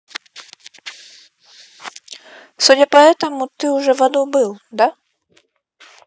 судя по этому ты уже в аду был да